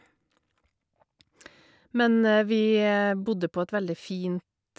Men vi bodde på et veldig fint...